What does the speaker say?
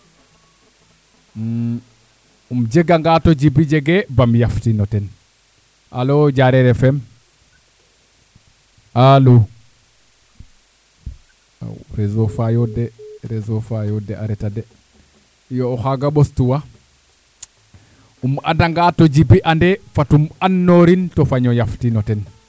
um jeganga to Djiby jegee baam yaftin o ten alo Diarer Fm alo reseau faa yo de reseau faa yo de a reta de iyo o xaaga ɓostuwa im andanga to Djiby andee fat um andnoorin to fañ o yaftin o ten